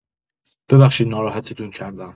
ببخشید ناراحتتون کردم.